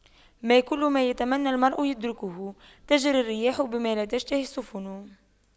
ما كل ما يتمنى المرء يدركه تجرى الرياح بما لا تشتهي السفن